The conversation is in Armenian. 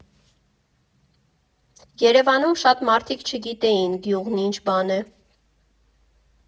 Երևանում շատ մարդիկ չգիտեին՝ գյուղն ինչ բան է։